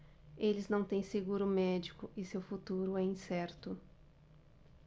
eles não têm seguro médico e seu futuro é incerto